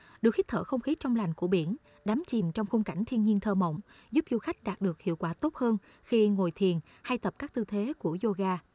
được hít thở không khí trong lành của biển đắm chìm trong khung cảnh thiên nhiên thơ mộng giúp du khách đạt được hiệu quả tốt hơn khi ngồi thiền hay tập các tư thế của y ô ga